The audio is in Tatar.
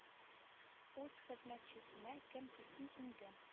Үз хезмәтчесенә кем тисен инде